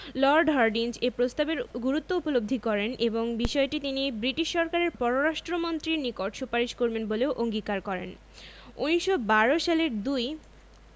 Lord Hardinge এ প্রস্তাবের গুরুত্ব উপলব্ধি করেন এবং বিষয়টি তিনি ব্রিটিশ সরকারের পররাষ্ট্র মন্ত্রীর নিকট সুপারিশ করবেন বলেও অঙ্গীকার করেন ১৯১২ সালের ২